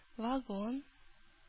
Вагон